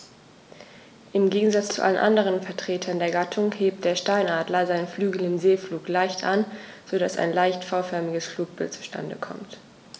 Im Gegensatz zu allen anderen Vertretern der Gattung hebt der Steinadler seine Flügel im Segelflug leicht an, so dass ein leicht V-förmiges Flugbild zustande kommt.